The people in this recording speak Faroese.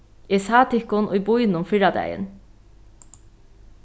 eg sá tykkum í býnum fyrradagin